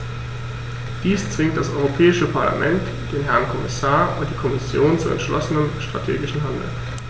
Dies zwingt das Europäische Parlament, den Herrn Kommissar und die Kommission zu entschlossenem strategischen Handeln.